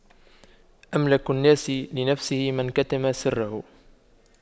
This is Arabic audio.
أملك الناس لنفسه من كتم سره